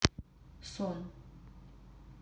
сон